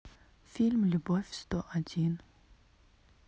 фильм любовь сто один